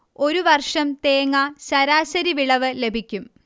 ഒരു വർഷം തേങ്ങ ശരാശരി വിളവ് ലഭിക്കും